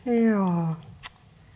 ja .